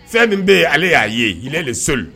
Fɛn min bɛ yen ale y'a ye yɛlɛ de so